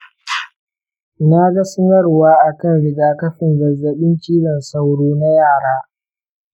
naga sanarwa akan rigakafin zazzaɓin cizon sauro na yara.